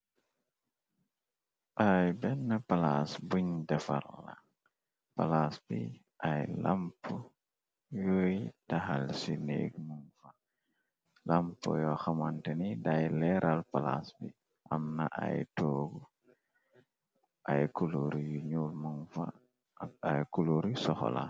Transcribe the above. Aay benn palaas buñ defar la palaas bi ay lamp yuy tahal ci neegbi lamp yo xamante ni day leeral palaas bi am na ay toogu ay kulour yu ñuul mun fa ak ay kulóur yu soxola.